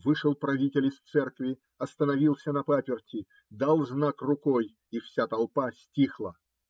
Вышел правитель из церкви, остановился на паперти, дал знак рукой, и вся толпа стихла.